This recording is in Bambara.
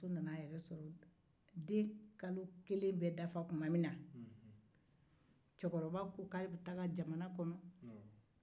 den kalo kelen be dafa tuma min na cɛkɔrɔba ko k'ale bɛ taa jamana kɔnɔ